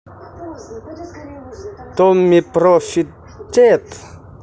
tommee profitt тед